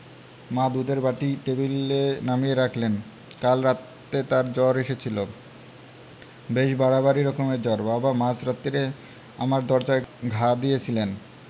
মা দুধের বাটি টেবিলে নামিয়ে রাখলেন কাল রাতে তার জ্বর এসেছিল বেশ বাড়াবাড়ি রকমের জ্বর বাবা মাঝ রাত্তিরে আমার দরজায় ঘা দিয়েছিলেন